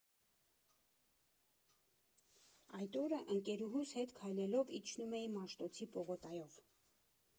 Այդ օրը ընկերուհուս հետ քայլելով իջնում էի Մաշտոցի պողոտայով։